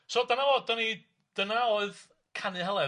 So dyna o, 'dan ni, dyna oedd Canu Heledd.